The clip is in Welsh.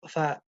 fatha